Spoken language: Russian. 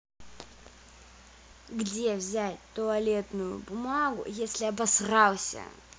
где взять туалетную бумагу если обосрался